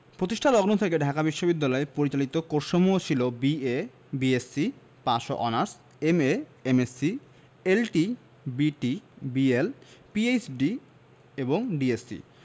প্রতিষ্ঠালগ্ন থেকে ঢাকা বিশ্ববিদ্যালয় পরিচালিত কোর্সসমূহ ছিল বি.এ বি.এসসি পাস ও honours MA MSc LT BT BL PhD এবং ডিএস.সি